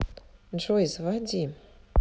джой заводи